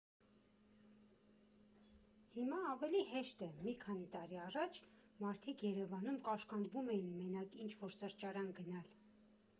Հիմա ավելի հեշտ է, մի քանի տարի առաջ մարդիկ Երևանում կաշկանդվում էին մենակ ինչ֊որ սրճարան գնալ։